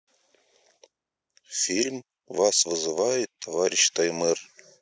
фильм вас вызывает товарищ таймыр